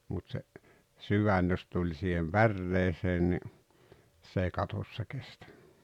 mutta se sydän jos tuli siihen päreeseen niin se ei katossa kestä